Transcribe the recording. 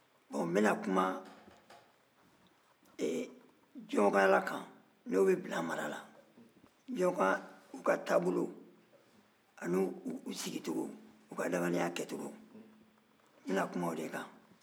bon n bɛna kuma e jɔkala kan n'o bɛ bila mara la jɔnka u ka taabolo an'u sigicogo u ka adamadenya kɛcogo n bɛna kuma o de kan